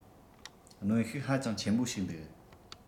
གནོན ཤུགས ཧ ཅང ཆེན པོ ཞིག འདུག